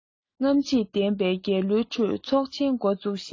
རྔམ བརྗིད ལྡན པའི རྒྱལ གླུའི ཁྲོད ཚོགས ཆེན འགོ ཚུགས ཤིང